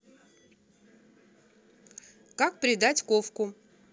как придать ковку